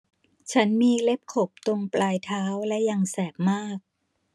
ฉันมีเล็บขบตรงปลายเท้าและยังแสบมาก